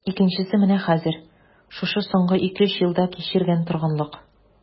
Икенчесе менә хәзер, шушы соңгы ике-өч елда кичергән торгынлык...